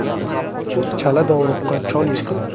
chala dovruqqa chol yiqilar